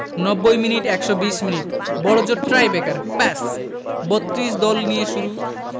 ৯০ minute ১২০ minute বড়জোর tiebreaker ব্যস ৩২ দল নিয়ে শুরু